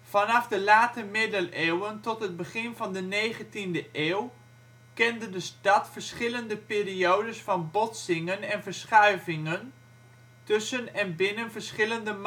Vanaf de late middeleeuwen tot het begin van de 19e eeuw kende de stad verschillende periodes van botsingen en verschuivingen tussen en binnen verschillende